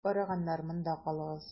Бик арыганнар, монда калыгыз.